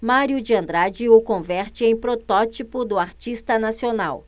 mário de andrade o converte em protótipo do artista nacional